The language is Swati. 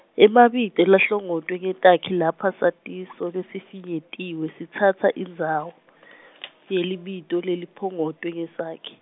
emabito lahlongotwe ngetakhi lapha satiso lesifinyetiwe sitsatsa indzawo , yelibito leliphongotwe ngesakhi.